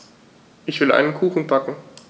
Ich will einen Kuchen backen.